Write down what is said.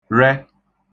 -rẹ